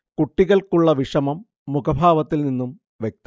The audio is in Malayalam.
കുട്ടികൾക്ക് ഉള്ള വിഷമം മുഖഭാവത്തിൽ നിന്നും വ്യക്തം